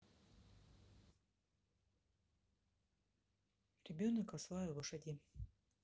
ребенок осла и лошади